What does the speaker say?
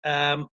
yym